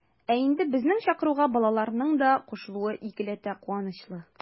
Ә инде безнең чакыруга балаларның да кушылуы икеләтә куанычлы.